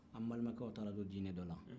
an balimakɛw taara don dinɛ dɔ la